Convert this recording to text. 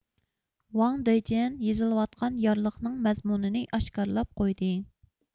ۋاڭ دېجيەن يېزىلىۋاتقان يارلىقنىڭ مەزمۇننى ئاشكارلاپ قويدى